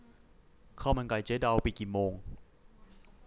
ข้าวมันไก่เจ๊ดาวปิดกี่โมง